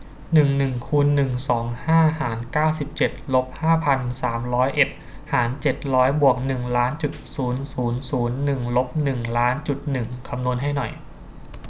หนึ่งหนึ่งคูณหนึ่งสองห้าหารเก้าสิบเจ็ดลบห้าพันสามร้อยเอ็ดหารเจ็ดร้อยบวกหนึ่งล้านจุดศูนย์ศูนย์ศูนย์หนึ่งลบหนึ่งล้านจุดหนึ่งคำนวณให้หน่อย